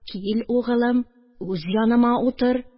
Кил, угылым, үз яныма утыр